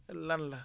lan la